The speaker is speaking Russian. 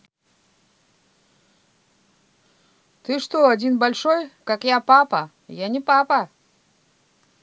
ты что один большой как я папа я не папа